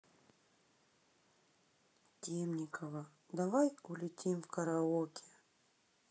темникова давай улетим в караоке